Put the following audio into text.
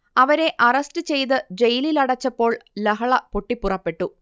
അവരെ അറസ്റ്റ് ചെയ്ത് ജയിലിലടച്ചപ്പോൾ ലഹള പൊട്ടിപ്പുറപ്പെട്ടു